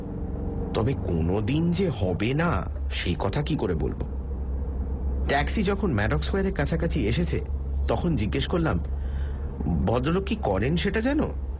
তবে কোনওদিন যে হবে না সে কথা কী করে বলব ট্যাক্সি যখন ম্যাডক্ স্কোয়ারের কাছাকাছি এসেছে তখন জিজ্ঞেস করলাম ভদ্রলোক কী করেন সেটা জানো